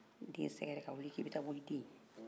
densɛkɛrɛ ka wili k'i bɛ taa b'i den ye